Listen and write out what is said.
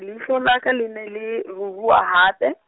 leihlo la ka le ne le ruruha hape.